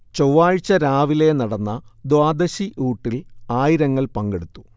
ചൊവ്വാഴ്ച രാവിലെ നടന്ന ദ്വാദശിഊട്ടിൽ ആയിരങ്ങൾ പങ്കെടുത്തു